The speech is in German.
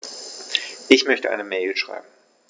Ich möchte eine Mail schreiben.